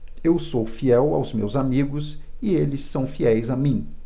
eu sou fiel aos meus amigos e eles são fiéis a mim